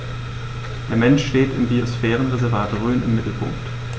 Der Mensch steht im Biosphärenreservat Rhön im Mittelpunkt.